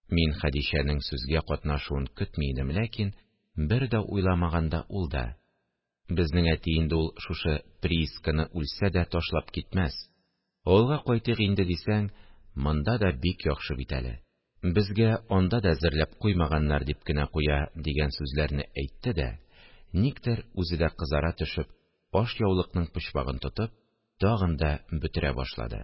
Мин Хәдичәнең сүзгә катнашуын көтми идем, ләкин бер дә уйламаганда ул да: – Безнең әти инде ул шушы приисканы үлсә дә ташлап китмәс, авылга кайтыйк инде дисәң, монда да бик яхшы бит әле, безгә анда да әзерләп куймаганнар, дип кенә куя, – дигән сүзләрне әйтте дә, никтер үзе дә кызара төшеп, ашъяулыкның почмагын тотып, тагын да бөтерә башлады